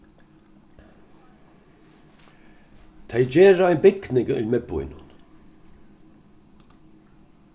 tey gera ein bygning í miðbýnum